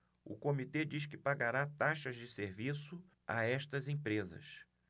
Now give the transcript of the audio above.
o comitê diz que pagará taxas de serviço a estas empresas